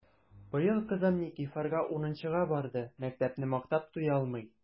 Быел кызым Никифарга унынчыга барды— мәктәпне мактап туялмый!